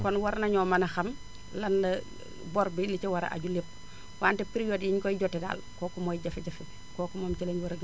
kon war nañoo mën a xam lan la bor bi li ci war a aju lépp wante périodes yi ñu koy jotee daal kooku mooy jafe-jafe kooku moom si lañu war a gën a